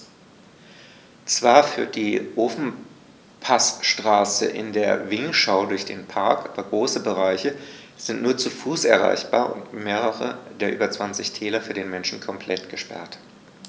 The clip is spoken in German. Zwar führt die Ofenpassstraße in den Vinschgau durch den Park, aber große Bereiche sind nur zu Fuß erreichbar und mehrere der über 20 Täler für den Menschen komplett gesperrt.